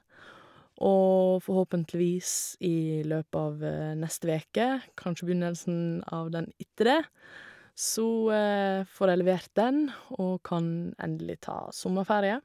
Og forhåpentligvis i løpet av neste veke, kanskje begynnelsen av den etter det, så får jeg levert den og kan endelig ta sommerferie.